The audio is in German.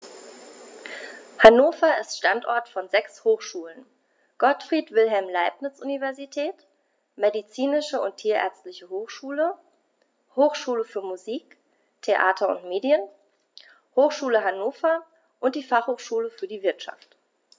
Hannover ist Standort von sechs Hochschulen: Gottfried Wilhelm Leibniz Universität, Medizinische und Tierärztliche Hochschule, Hochschule für Musik, Theater und Medien, Hochschule Hannover und die Fachhochschule für die Wirtschaft.